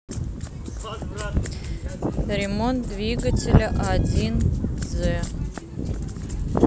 ремонт двигателя один з